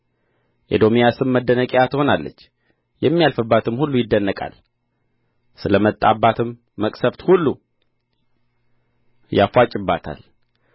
ኤዶምያስም መደነቂያ ትሆናለች የሚያልፍባትም ሁሉ ይደነቃል ስለ መጣባትም መቅሠፍት ሁሉ ያፍዋጭባታል